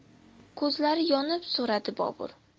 ko'zlari yonib so'radi bobur